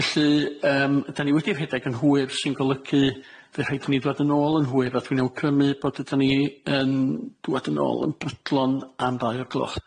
Felly yym ydan ni wedi rhedeg yn hwyr sy'n golygu fy rhaid i ni ddod yn ôl yn hwyr a dwi'n awgrymu bod ydan ni yn dŵad yn ôl yn brydlon am ddau o'r gloch.